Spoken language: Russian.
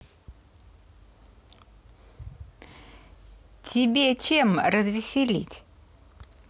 тебе чем развеселить